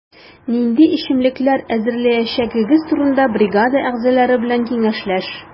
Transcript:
Нинди эчемлекләр әзерләячәгегез турында бригада әгъзалары белән киңәшләш.